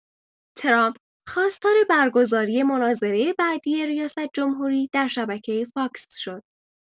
ترامپ خواستار برگزاری مناظره بعدی ریاست‌جمهوری در شبکه فاکس شد.